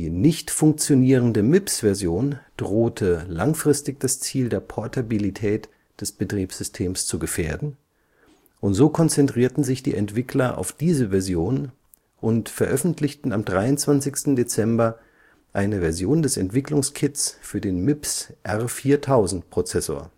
nicht funktionierende MIPS-Version drohte langfristig das Ziel der Portabilität des Betriebssystems zu gefährden, und so konzentrierten sich die Entwickler auf diese Version und veröffentlichten am 23. Dezember eine Version des Entwicklungskits für den MIPS R4000-Prozessor